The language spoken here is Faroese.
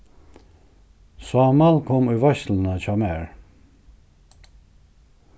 sámal kom í veitsluna hjá mær